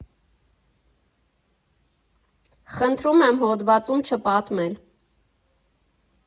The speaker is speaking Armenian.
Խնդրում է հոդվածում չպատմել.